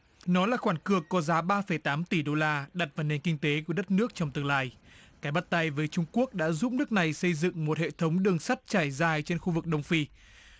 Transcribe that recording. nó là khoản cược có giá ba phẩy tám tỷ đô la đặt vào đề kinh tế của đất nước trong tương lai cái bắt tay với trung quốc đã giúp nước này xây dựng một hệ thống đường sắt trải dài trên khu vực đông phi